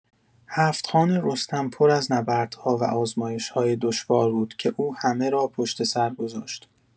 هفت‌خوان رستم پر از نبردها و آزمایش‌های دشوار بود که او همه را پشت‌سر گذاشت.